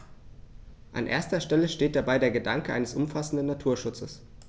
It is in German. An erster Stelle steht dabei der Gedanke eines umfassenden Naturschutzes.